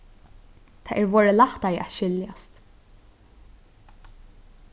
tað er vorðið lættari at skiljast